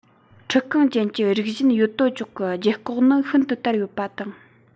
འཁྲིལ རྐང ཅན གྱི རིགས གཞན ཡོད དོ ཅོག གི རྒྱབ སྐོགས ནི ཤིན ཏུ དར ཡོད པ དང